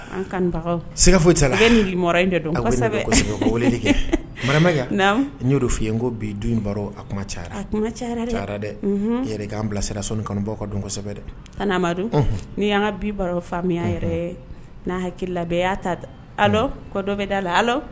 Sɛgɛiga foyila e ni'i in dɛ donsɛbɛ kɛmɛkɛ n y'o don f'i n ko bi don baro a kuma ca a kuma ca dɛ yɛrɛ'an bilasirara kanu bɔ ka donsɛbɛ dɛ amadu ni''an ka bi baro faya yɛrɛ n'a hakili labɛn'a ta kɔ dɔ bɛ da la ala